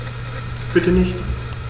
Bitte nicht.